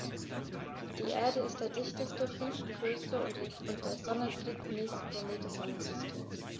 Die Erde ist der dichteste, fünftgrößte und der Sonne drittnächste Planet des Sonnensystems.